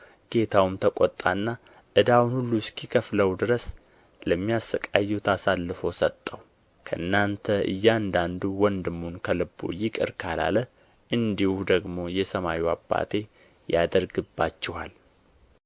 ጌታውም ተቈጣና ዕዳውን ሁሉ እስኪከፍለው ድረስ ለሚሣቅዩት አሳልፎ ሰጠው ከእናንተ እያንዳንዱ ወንድሙን ከልቡ ይቅር ካላለ እንዲሁ ደግሞ የሰማዩ አባቴ ያደርግባችኋል